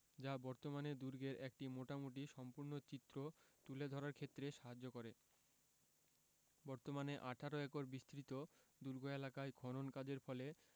যা বর্তমানে দুর্গের একটি মোটামুটি সম্পূর্ণ চিত্র তুলে ধরার ক্ষেত্রে সাহায্য করে বর্তমানে ১৮ একর বিস্তৃত দুর্গ এলাকায় খনন কাজের ফলে